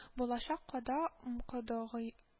Булачак кода-кодагый